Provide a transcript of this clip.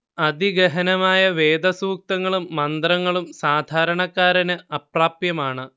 അതിഗഹനമായ വേദസുക്തങ്ങളും മന്ത്രങ്ങളും സാധാരണക്കാരന് അപ്രാപ്യമാണ്